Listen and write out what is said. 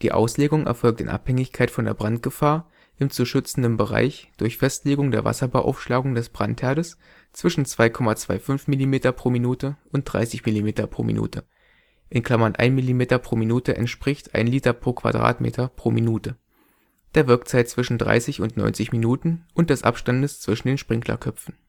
Auslegung erfolgt in Abhängigkeit von der Brandgefahr im zu schützenden Bereich durch Festlegung der Wasserbeaufschlagung des Brandherdes zwischen 2,25 mm/min und 30 mm/min (1 mm/min entspricht 1 l/m²/min), der Wirkzeit zwischen 30 und 90 min und des Abstandes zwischen den Sprinklerköpfen